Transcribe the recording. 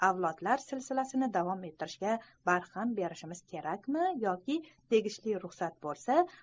avlodlar silsilasini davom ettirishga barham berishimiz kerakmi yoki tegishli ruxsat bo'lsa